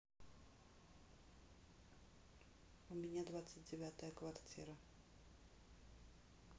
у меня двадцать девятая квартира